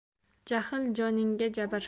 jahl joningga jabr